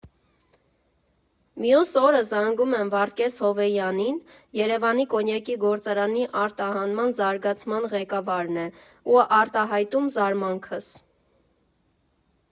Մյուս օրը զանգում եմ Վարդգես Հովեյանին (Երևանի կոնյակի գործարանի արտահանման զարգացման ղեկավարն է) ու արտահայտում զարմանքս։